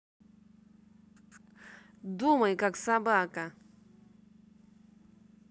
думай как собака